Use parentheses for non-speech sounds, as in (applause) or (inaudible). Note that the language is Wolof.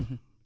(hesitation) (hesitation)